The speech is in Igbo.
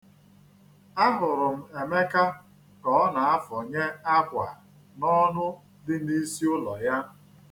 A hụrụ m Emeka ka ọ na-afọnye akwa n'ọnụ dị n'isi ụlọ ya.